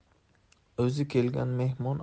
o'zi kelgan mehmon atoyi xudo